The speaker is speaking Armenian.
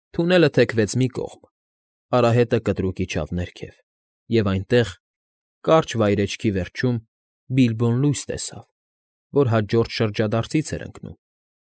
Թունելը թեքվեց մի կողմ, այնուհետև կտրուկ իջավ ներքև, և այնտեղ, կարճ վայրէջքի վերջում, Բիլբոն լույս տեսավ, որ հաջորդ շրջադարձից էր ընկնում։